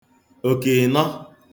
òkè ị̀nọ